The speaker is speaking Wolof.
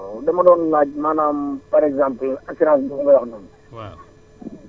ah waaw dama doon laaj maanaam par exemple assurance bi nga doon wax noonu